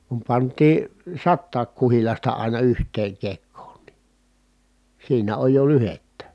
kun pantiin satakin kuhilasta aina yhteen kekoon niin siinä oli jo lyhdettä